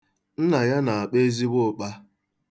Nna ya na-akpa ụkpa ezigbo ụkpa.